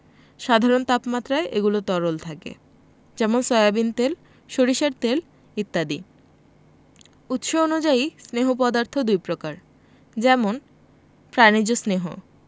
সাধারণ তাপমাত্রায় এগুলো তরল থাকে যেমন সয়াবিন তেল সরিষার তেল ইত্যাদি উৎস অনুযায়ী স্নেহ পদার্থ দুই প্রকার যেমন প্রাণিজ স্নেহ